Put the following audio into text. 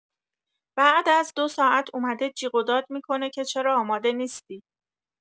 بعد از دو ساعت اومده جیغ و داد می‌کنه که چرا اماده نیستی!